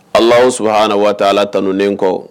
Ala aw su h waati ala tanunnen kɔ